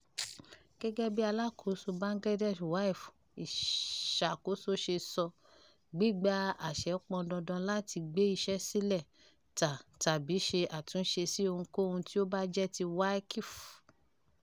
Gẹ́gẹ́ bí alákòóso Bangladesh Waqf Administratioń ṣe sọ, gbígba àṣẹ pọn dandan láti gbé iṣẹ́ sílẹ̀, tà tàbí ṣe àtúnṣe sí ohunkóhun tí ó bá jẹ́ ti Waqf.